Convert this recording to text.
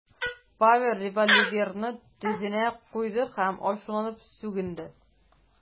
Павел револьверны тезенә куйды һәм ачуланып сүгенде .